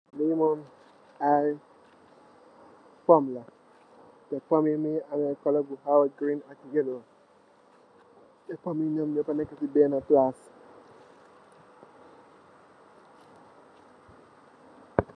Li aye pomla pom yi you green ak yellow teh pom yii nyoungui neka cii benna palas